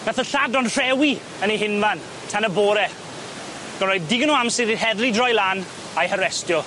Nath y lladron rhewi yn eu hunfan tan y bore ga roi digon o amser i heddlu droi lan a'u harestio.